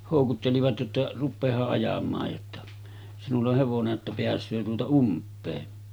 houkuttelivat jotta rupeahan ajamaan jotta sinulla on hevonen että pääsee tuota umpea